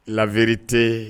La vérité